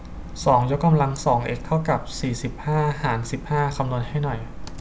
สองยกกำลังสองเอ็กซ์เท่ากับสี่สิบห้าหารสิบห้าคำนวณให้หน่อย